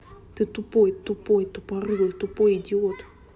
ты тупой тупой тупорый тупой идиот